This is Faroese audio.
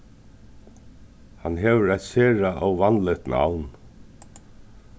hann hevur eitt sera óvanligt navn